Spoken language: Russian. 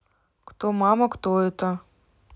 кто мама кто это